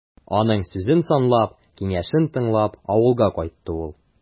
Аның сүзен санлап, киңәшен тыңлап, авылга кайтты ул.